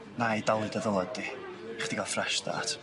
Na'i dalu dy ddylad di i chdi ga'l fresh start.